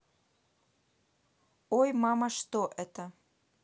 ой мама что это